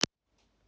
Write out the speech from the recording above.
путешествие на